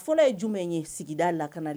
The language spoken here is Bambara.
Fɔlɔ ye jumɛn ye sigida lakli